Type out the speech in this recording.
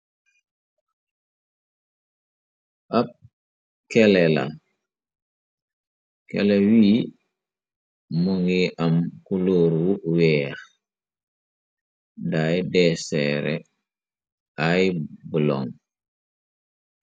Ab kele la kele wi mo ngi am kulóoru weex day deesere ay bulon.